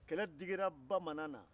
kɛlɛ digira bamanan na